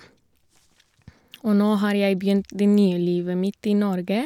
Og nå har jeg begynt det nye livet mitt i Norge.